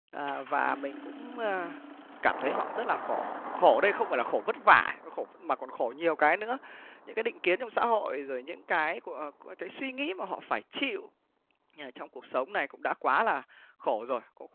à và mình cũng a cảm thấy họ rất là khổ khổ đây không phải là khổ vất vả nó khổ mà còn khổ nhiều cái nữa những cái định kiến trong xã hội rồi những cái cụa cái suy nghĩ mà họ phải chịu như trong cuộc sống này cũng đã quá là khổ rồi cũng